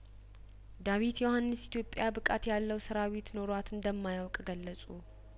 ዳዊት ዮሀንስ ኢትዮጵያ ብቃት ያለው ሰራዊት ኖሯት እንደማ ያውቅ ገለጹ